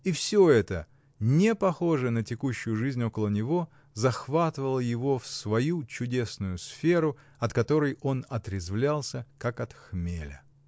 И всё это, не похожее на текущую жизнь около него, захватывало его в свою чудесную сферу, от которой он отрезвлялся, как от хмеля.